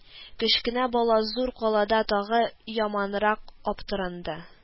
Кечкенә бала зур калада тагы яманрак аптыранды